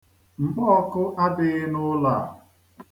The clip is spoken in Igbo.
Mkpọọku adịghị n'ụlọ a.